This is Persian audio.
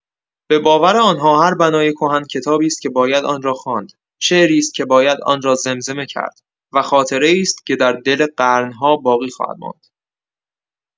به باور آن‌ها، هر بنای کهن، کتابی است که باید آن را خواند، شعری است که باید آن را زمزمه کرد، و خاطره‌ای است که در دل قرن‌ها باقی خواهد ماند.